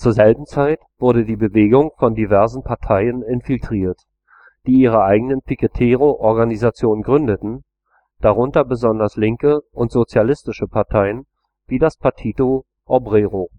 selben Zeit wurde die Bewegung von diversen Parteien infiltriert, die ihre eigenen Piquetero-Organisationen gründen, darunter besonders linke und sozialistische Parteien wie das Partido Obrero